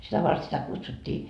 sitä varten sitä kutsuttiin